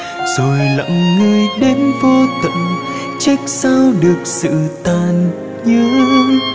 rồi lặng người đến vô tận trách sao được sự tàn nhẫn